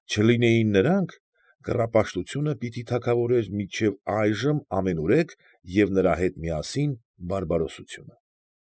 Չլինեին նրանք, կռապաշտությունը պիտի թագավորեր մինչև այժմ ամենուրեք և նրա հետ միասին բարբարոսությունը։